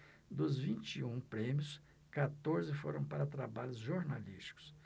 dos vinte e um prêmios quatorze foram para trabalhos jornalísticos